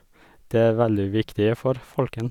Det er veldig viktig for folkene.